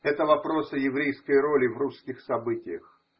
Это – вопрос о еврейской роли в русских событиях.